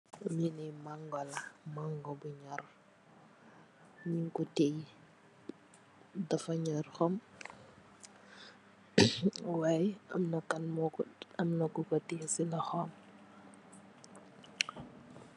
Lii nii mañgo la, mañgo bu ñior, ñung ko tiye. Waay, am na kuko tiye si loxo.